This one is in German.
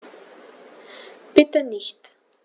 Bitte nicht.